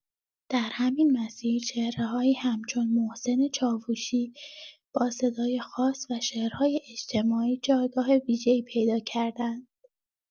در همین مسیر، چهره‌هایی همچون محسن چاوشی با صدای خاص و شعرهای اجتماعی، جایگاه ویژه‌ای پیدا کردند.